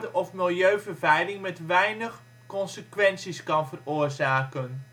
of milieuvervuiling met weinig consequenties kan veroorzaken